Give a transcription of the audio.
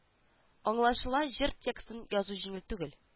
Аңлашыла җыр текстын язу җиңел түгел